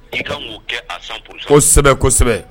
Kosɛbɛ kosɛbɛ